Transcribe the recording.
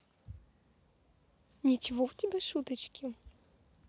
ничего у тебя шуточки